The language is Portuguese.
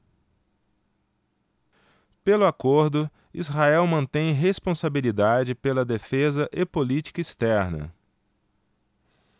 pelo acordo israel mantém responsabilidade pela defesa e política externa